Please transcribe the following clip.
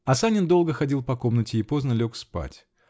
А Санин долго ходил по комнате и поздно лег спать.